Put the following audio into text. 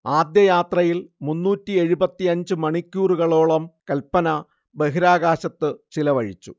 ആദ്യയാത്രയിൽ മുന്നൂറ്റിയെഴുപത്തിയഞ്ച് മണിക്കൂറുകളോളം കൽപന ബഹിരാകാശത്തു ചിലവഴിച്ചു